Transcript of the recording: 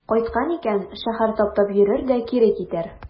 Кайткан икән, шәһәр таптап йөрер дә кире китәр.